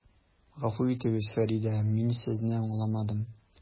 Гафу итегез, Фәридә, мин Сезне аңламадым.